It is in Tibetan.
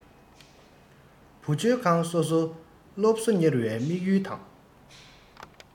བུ བཅོལ ཁང སོ སོས སློབ གསོ གཉེར བའི དམིགས ཡུལ དང